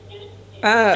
an